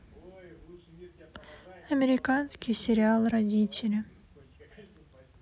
американский сериал родители